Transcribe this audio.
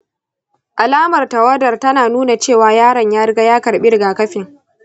alamar tawadar tana nuna cewa yaron ya riga ya karɓi rigakafin.